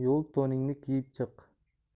yo'l to'ningni kiyib chiq